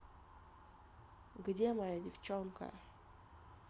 где моя девчонка